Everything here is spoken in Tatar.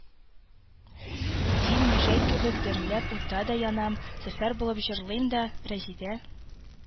Дин мөҗәй кебек дөрләп утта да янам, зөфәр булып җырлыйм да, рэзидә